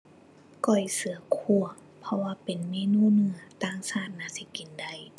ก้อยเสือคั่ว เพราะว่าเป็นเมนูเนื้อ ต่างชาติน่าสิกินได้